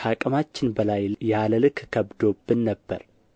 ከዓቅማችን በላይ ያለ ልክ ከብዶብን ነበር